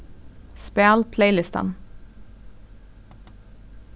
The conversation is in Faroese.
spæl playlistan